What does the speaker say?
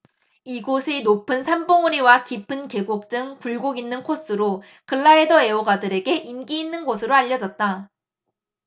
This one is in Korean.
이곳은 높은 산봉우리와 깊은 계곡 등 굴곡 있는 코스로 글라이더 애호가들에게 인기 있는 곳으로 알려졌다